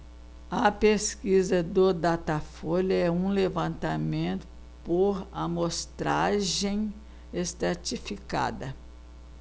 a pesquisa do datafolha é um levantamento por amostragem estratificada